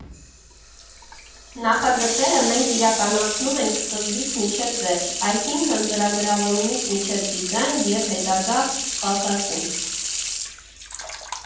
Նախագծերը մենք իրականացնում ենք սկզբից մինչև վերջ, այսինքն ծրագրավորումից մինչև դիզայն և հետագա սպասարկում։